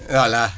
voilà